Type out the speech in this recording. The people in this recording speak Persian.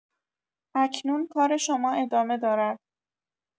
اکنون کار شما ادامه دارد.